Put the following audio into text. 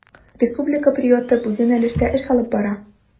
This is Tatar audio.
Республика приюты бу юнәлештә эш алып бара.